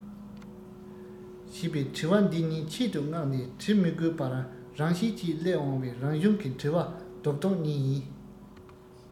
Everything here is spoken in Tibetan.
ཞེས པའི འདྲི བ འདི གཉིས ཆེད དུ མངགས ནས འདྲི མི དགོས པར རང བཞིན གྱིས སླེབས འོང བའི རང བྱུང གི འདྲི བ རྡོག རྡོག གཉིས ཡིན